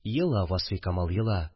Ела, Васфикамал, ела